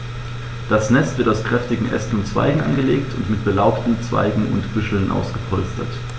Das Nest wird aus kräftigen Ästen und Zweigen angelegt und mit belaubten Zweigen und Büscheln ausgepolstert.